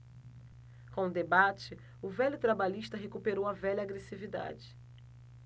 com o debate o velho trabalhista recuperou a velha agressividade